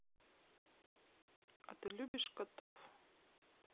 а ты любишь котов